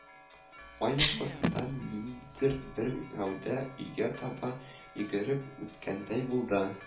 Ай яктысында ниндидер бер гәүдә өйгә таба йөгереп үткәндәй булды